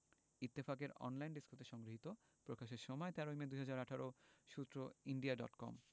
ইত্তেফাক এর online desk হতে সংগৃহীত প্রকাশের সময় ১৩ মে ২০১৮ সূত্র ইন্ডিয়া ডট কম